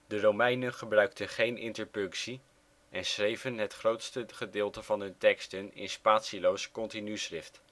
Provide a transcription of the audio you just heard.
Romeinen gebruikten geen interpunctie en schreven het grootste gedeelte van hun teksten in spatieloos continuschrift